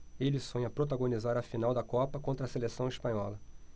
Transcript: ele sonha protagonizar a final da copa contra a seleção espanhola